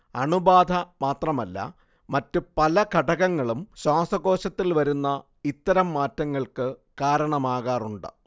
അണുബാധ മാത്രമല്ല മറ്റ് പല ഘടകങ്ങളും ശ്വാസകോശത്തിൽ വരുന്ന ഇത്തരം മാറ്റങ്ങൾക്ക് കാരണമാകാറുണ്ട്